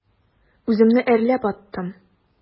Үземне әрләп аттым.